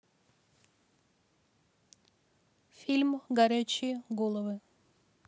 фильм горячие головы